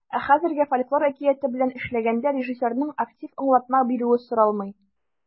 Ә хәзергә фольклор әкияте белән эшләгәндә режиссерның актив аңлатма бирүе соралмый.